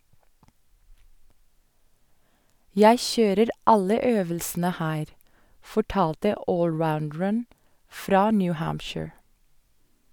- Jeg kjører alle øvelsene her, fortalte allrounderen fra New Hampshire.